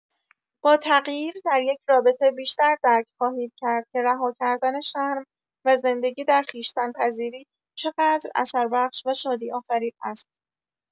با تغییر دریک رابطه، بیشتر درک خواهید کرد که رهاکردن شرم و زندگی در خویشتن‌پذیری چقدر اثربخش و شادی‌آفرین است.